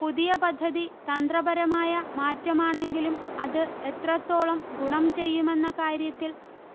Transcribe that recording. പുതിയ പദ്ധതി തന്ത്രപരമായ മാറ്റമാണെങ്കിലും അത് എത്രത്തോളം ഗുണം ചെയ്യുമെന്ന കാര്യത്തിൽ